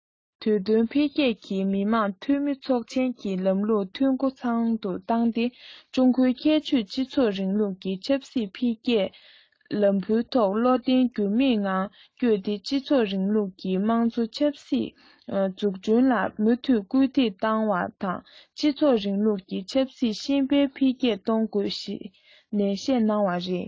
དུས བསྟུན འཕེལ རྒྱས ཀྱིས མི དམངས འཐུས མི ཚོགས ཆེན གྱི ལམ ལུགས འཐུས སྒོ ཚང དུ བཏང སྟེ ཀྲུང གོའི ཁྱད ཆོས ཀྱི སྤྱི ཚོགས རིང ལུགས ཀྱི ཆབ སྲིད འཕེལ རྒྱས ལམ བུའི ཐོག བློ བརྟན འགྱུར མེད ངང བསྐྱོད དེ སྤྱི ཚོགས རིང ལུགས ཀྱི དམངས གཙོ ཆབ སྲིད འཛུགས སྐྱོང ལ མུ མཐུད སྐུལ འདེད གཏོང དགོས པ དང སྤྱི ཚོགས རིང ལུགས ཀྱི ཆབ སྲིད ཤེས དཔལ འཕེལ རྒྱས གཏོང དགོས ཞེས ནན བཤད གནང བ རེད